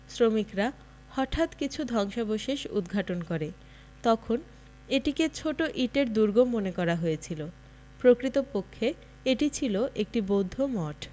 শ্রমিকরা হঠাৎ কিছু ধ্বংসাবশেষ উদ্ঘাটন করে তখন এটিকে একটি ছোট ইটের দুর্গ মনে করা হয়েছিল প্রকৃতপক্ষে এটি ছিল একটি বৌদ্ধ মঠ